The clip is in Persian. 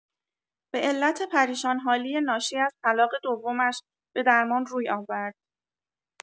به‌علت پریشان‌حالی ناشی از طلاق دومش به درمان روی آورد.